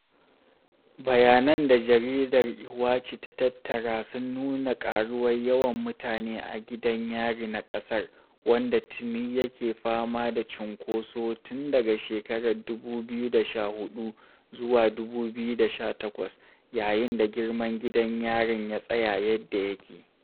Bayanan da jaridar Iwacu ta tattara sun nuna ƙaruwar yawan mutane a gidan yari na ƙasar wanda tuni yake fama da cunkoso tun daga shekarar 2014 zuwa 2018, yayin da girman gidan yarin ya tsaya yadda yake.